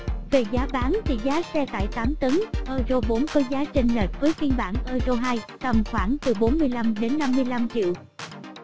về giá bán thì giá xe tải tấn euro có giá chênh lệch với phiên bản euro tầm khoảng từ triệu